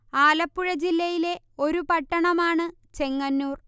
ആലപ്പുഴ ജില്ലയിലെ ഒരു പട്ടണമാണ് ചെങ്ങന്നൂർ